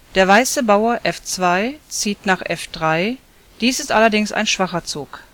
Der weiße Bauer f2 zieht nach f3, dies ist allerdings ein schwacher Zug